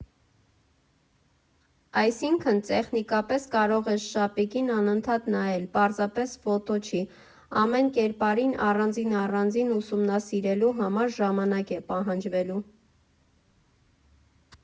Այսինքն՝ տեխնիկապես կարող ես շապիկին անընդհատ նայել, պարզապես ֆոտո չի, ամեն կերպարին առանձին֊առանձին ուսումնասիրելու համար ժամանակ է պահանջվելու։